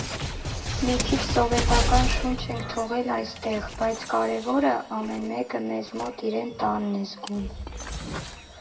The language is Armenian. Մի քիչ սովետական շունչ ենք թողել այստեղ, բայց կարևորը՝ ամեն մեկը մեզ մոտ իրեն տանն է զգում։